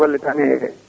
golle tan e